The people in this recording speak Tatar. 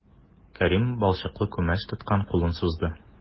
Кәрим балчыклы күмәч тоткан кулын сузды.